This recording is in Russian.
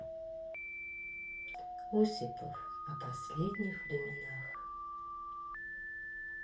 осипов о последних временах